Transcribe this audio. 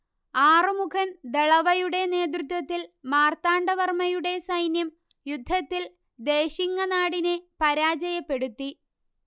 ആറുമുഖൻ ദളവയുടെ നേതൃത്വത്തിൽ മാർത്താണ്ഡവർമ്മയുടെ സൈന്യം യുദ്ധത്തിൽ ദേശിങ്ങനാടിനെ പരാജയപ്പെടുത്തി